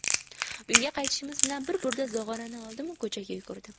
uyga qaytishimiz bilan bir burda zog'orani oldimu ko'chaga yugurdim